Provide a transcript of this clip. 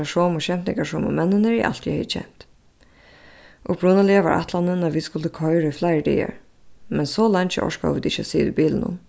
teir somu skemtingarsomu menninir eg altíð hevði kent upprunaliga var ætlanin at vit skuldu koyra í fleiri dagar men so leingi orkaðu vit ikki at sita í bilinum